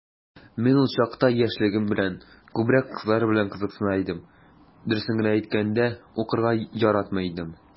Мин ул чакта, яшьлегем белән, күбрәк кызлар белән кызыксына идем, дөресен генә әйткәндә, укырга яратмый идем...